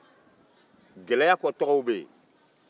gɛlɛya kɔtɔgɔw bɛ yen